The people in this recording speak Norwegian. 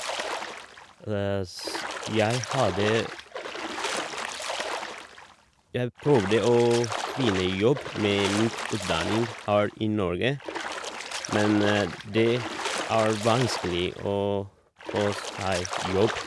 s jeg hadde Jeg prøvde å finne jobb med mitt utdanning her i Norge, men det er vanskelig å få seg jobb.